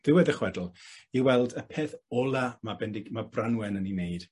Diwedd y chwedl i weld y peth ola ma' Bendig, ma' Branwen yn 'i wneud.